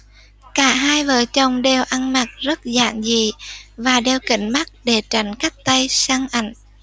cả hai vợ chồng đều ăn mặc rất giản dị và đeo kính mắt để tránh cách tay săn ảnh